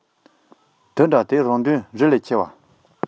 ཟེར བ རང འདོད རི ལས ཆེ བ